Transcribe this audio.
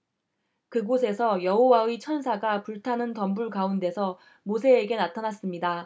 그곳에서 여호와의 천사가 불타는 덤불 가운데서 모세에게 나타났습니다